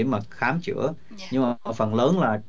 mà khám chữa nhưng mà phần lớn là